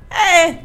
Ee